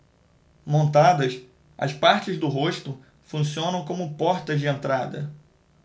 montadas as partes do rosto funcionam como portas de entrada